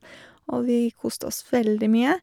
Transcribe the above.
Og vi koste oss veldig mye.